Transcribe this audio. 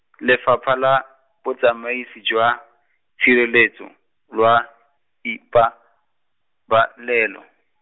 Lefapha la, Botsamaisi jwa, Itshireletso, lwa, Ipabalelo.